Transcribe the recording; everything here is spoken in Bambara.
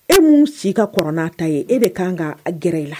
E min si ka kɔrɔ n'a ta ye e de ka kan k'a gɛrɛ i la.